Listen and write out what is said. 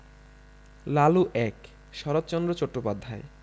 Lalu ১ Saratchandra Chattopadhyay